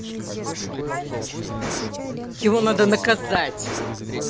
его надо наказать